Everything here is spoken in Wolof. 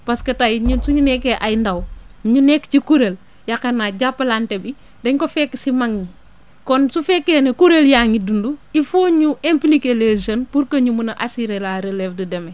parce que tey ñun suñu nekkee ay ndaw ñu nekk ci kuréel yaakaar naa jàppalante bi dañ ko fekk si mag ñi kon su fekkee ne kuréel yaa ngi dund il faut ñu impliqué les jeunes pour que ñu mën a assurer la relève de demain